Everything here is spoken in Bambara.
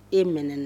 E mɛnɛ na